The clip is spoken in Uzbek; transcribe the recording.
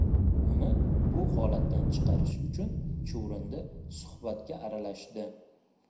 uni bu holatdan chiqarish uchun chuvrindi suhbatga aralashdi